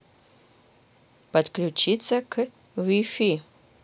подключиться к wi fi